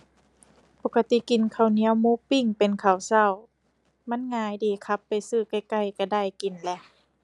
ปกติกินข้าวเหนียวหมูปิ้งเป็นข้าวเช้า มันง่ายดี ขับไปซื้อใกล้ใกล้เช้าได้กินแหละ